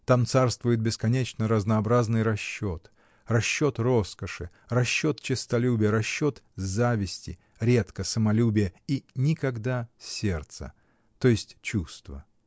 Там царствует бесконечно разнообразный расчет: расчет роскоши, расчет честолюбия, расчет зависти, редко — самолюбия и никогда — сердца, то есть чувства.